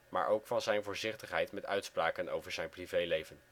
maar ook van zijn voorzichtigheid met uitspraken over zijn privéleven